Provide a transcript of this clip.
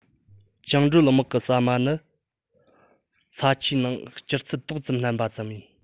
བཅིངས འགྲོལ དམག གི ཟ མ ནི ཚྭ ཆུའི ནང སྐྱུར ཚལ ཏོག ཙམ བསྣན པ ཙམ ཡིན